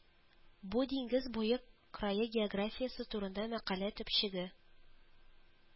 Бу Диңгез буе крае географиясе турында мәкалә төпчеге